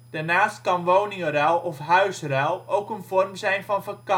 Daarnaast kan woningruil of huisruil ook een vorm zijn van vakantieplanning